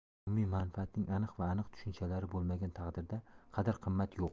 umumiy manfaatning aniq va aniq tushunchalari bo'lmagan taqdirda qadr qimmat yo'q